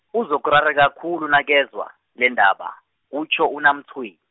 uzokurareka khulu nakezwa, lendaba, kutjho UNaMtshweni.